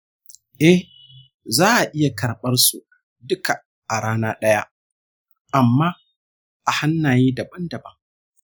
eh, za a iya karɓar su duka a rana ɗaya, amma a hannaye daban-daban.